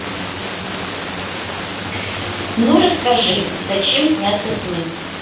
ну расскажи зачем снятся сны